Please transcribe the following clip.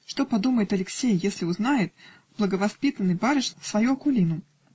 Что подумает Алексей, если узнает в благовоспитанной барышне свою Акулину?